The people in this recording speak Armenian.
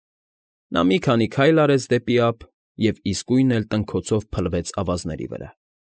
Նա մի քանի քայլ արեց դեպի ափ և իսկույն էլ տնքոցով փլվեց ավազների վրա։